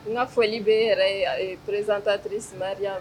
N ka fɔli bɛ yɛrɛ pereztareris